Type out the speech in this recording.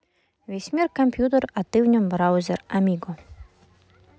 весь мир компьютер а ты в нем браузер амиго